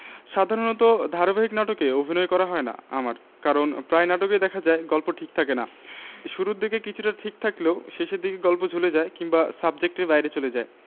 সাধারণত ধারাবাহিক নাটকে অভিনয় করা হয় না আমার কারণ প্রায় নাটকেই দেখা যায় গল্প ঠিক থাকে না শুরুর দিকে কিছুটা ঠিক থাকলেও শেষের দিকে গল্প ঝুলে যায় কিংবা সাবজেক্টের বাইরে চলে যায়